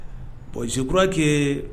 Bon z kurake